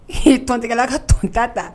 Ee tontigɛkɛlala a ka t ta ta